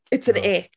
It's an ick.